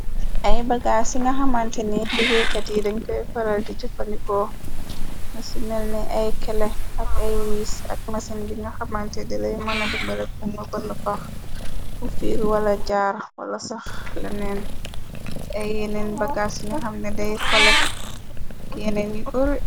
Ay bagaas ci nga xamante ne, liggéeykat yi dañ koy faral di jëfandikoo, na ci melne ay kele, ak ay wiis, ak masin bi nga xamante delay mëna di mberebbu, nga bën pax bu fiir wala jaar wala sax leneen, ay yeneen bagaas ci nga xamne dey kole, ak yeneen yu boore.